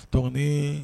Tɔnin